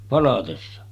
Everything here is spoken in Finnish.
palatessa